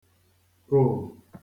kò